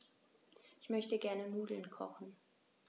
Ich möchte gerne Nudeln kochen.